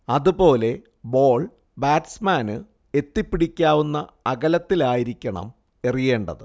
അതുപോലെ ബോൾ ബാറ്റ്സ്മാന് എത്തിപ്പിടിക്കാവുന്ന അകലത്തിലായിരിക്കണം എറിയേണ്ടത്